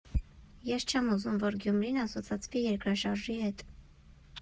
Ես չեմ ուզում, որ Գյումրին ասոցացվի երկրաշարժի հետ։